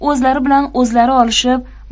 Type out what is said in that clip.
o'zlari bilan o'zlari olishib